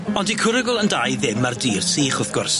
Ond 'di cwrwgl yn da i ddim ar dir sych, wrth gwrs.